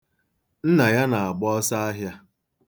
Nna ya na-agba ọsọahịā.